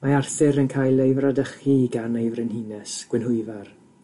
Mae Arthur yn cael ei fradychu gan ei frenhines Gwenhwyfar